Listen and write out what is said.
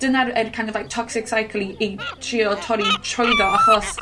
dyna'r yr kind of like tocic cycle i i trio torri trwyddo achos,